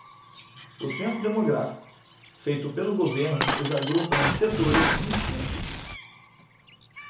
o censo demográfico feito pelo governo os agrupa em setores distintos